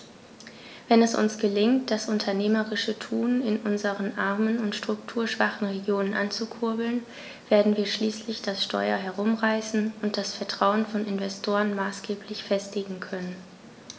Wenn es uns gelingt, das unternehmerische Tun in unseren armen und strukturschwachen Regionen anzukurbeln, werden wir schließlich das Steuer herumreißen und das Vertrauen von Investoren maßgeblich festigen können.